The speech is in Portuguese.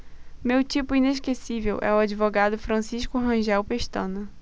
meu tipo inesquecível é o advogado francisco rangel pestana